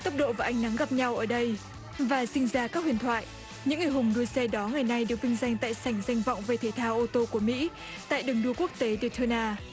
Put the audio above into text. tốc độ và ánh nắng gặp nhau ở đây và sinh ra các huyền thoại những anh hùng đuôi xe đó ngày nay được vinh danh tại sảnh danh vọng về thể thao ô tô của mỹ tại đường đua quốc tế thờ thôn na